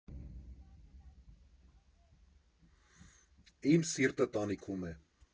Իմ սիրտը տանիքում է։